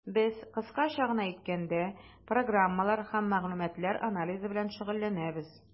Без, кыскача гына әйткәндә, программалар һәм мәгълүматлар анализы белән шөгыльләнәбез.